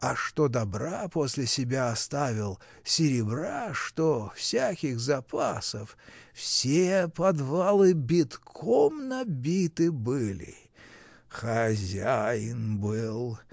а что добра после себя оставил, серебра что, всяких запасов, все подвалы битком набиты были. Хозяин был.